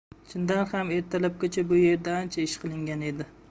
chindan ham ertalabgacha bu yerda ancha ish qilingan edi